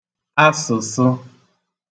asə̀sə̣